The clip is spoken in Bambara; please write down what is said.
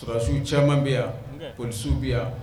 Surakasiw caman bɛ yan psiw bɛ yan